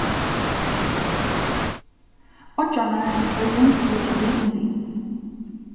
oyggjarnar í føroyum liggja lið um lið